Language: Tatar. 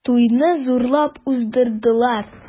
Туйны зурлап уздырдылар.